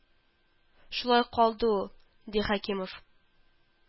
Шулай калды ул, ди Хәкимов